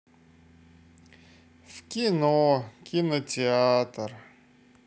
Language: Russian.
в кино кинотеатр